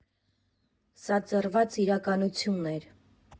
Սա ծռված իրականություն էր։